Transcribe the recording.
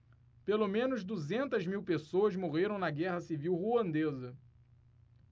pelo menos duzentas mil pessoas morreram na guerra civil ruandesa